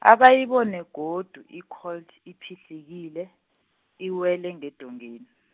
abayibone godu i- Colt iphihlikile, iwele ngedongeni.